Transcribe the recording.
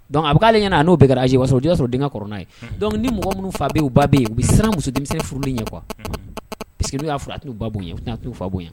Dɔnku aale ɲɛna' n'o ka a waa sɔrɔ y' sɔrɔ denkɛ kɔrɔ' ye dɔnkuc ni mɔgɔ minnuu faa b'u ba bɛ yen u bɛ siran muso denmisɛnnin furu ɲɛ kuwa p y'a fɔ t' u ba' ye t' u fa b' ye